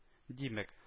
Димәк